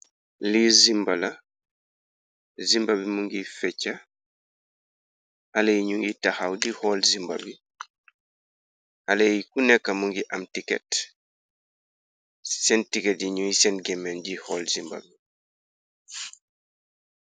lii zimba lamu ngiy fecha xale yiñu ngiy taxaw di hall zimba bi xale yi ku nekka mu ngi am tikket seen tiket yiñuy seen gemen di hall zimba.